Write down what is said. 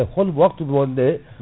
e hol waptu mo de